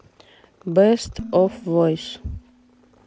бест оф войс